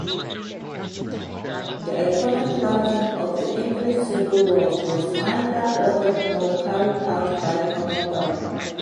The iconoclasm of the English civil wars was neither ordered nor carried out by Cromwell.